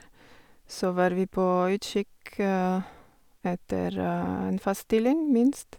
Så var vi på utkikk etter en fast stilling, minst.